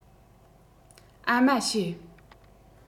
ཨ མ བྱེད